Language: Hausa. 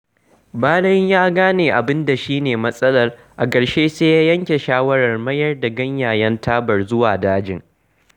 Bayan ya gane abin da shi ne matsalar, a ƙarshe sai ya yanke shawarar mayar da ganyayen tabar zuwa dajin.